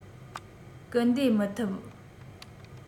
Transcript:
སྐུལ འདེད མི ཐུབ